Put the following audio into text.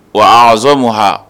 Ɔ a nson munha